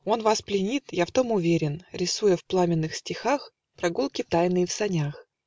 Он вас пленит, я в том уверен, Рисуя в пламенных стихах Прогулки тайные в санях